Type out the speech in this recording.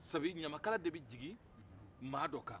sabu ɲamakala de bɛ jigin maa dɔ kan